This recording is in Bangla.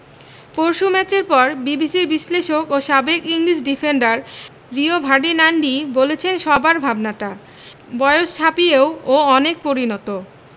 পরশু ম্যাচের পর বিবিসির বিশ্লেষক ও সাবেক ইংলিশ ডিফেন্ডার রিও ফার্ডিনান্ডই বলেছেন সবার ভাবনাটা বয়স ছাপিয়েও ও অনেক পরিণত